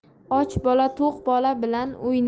och bola to'q bola bilan